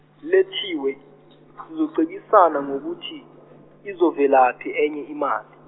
Lethiwe sizocebisana ngokuthi, izovelaphi enye imali.